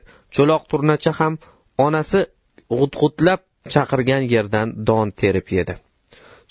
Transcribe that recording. cho'loq turnacha ham onasi g'utg'utlab chaqirgan yerdan don terib yedi